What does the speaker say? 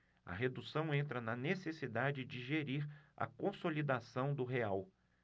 a redução entra na necessidade de gerir a consolidação do real